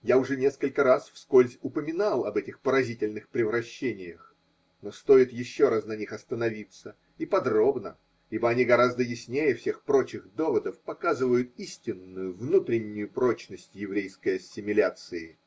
Я уже несколько раз вскользь упоминал об этих поразительных превращениях, но стоит еще раз на них остановиться, и подробно, ибо они гораздо яснее всех прочих доводов показывают истинную внутреннюю прочность еврейской ассимиляции.